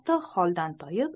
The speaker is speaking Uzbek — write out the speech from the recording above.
hatto holdan toyib